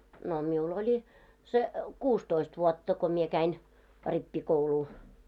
no minulla oli se kuusitoista vuotta kun minä kävin rippikoulua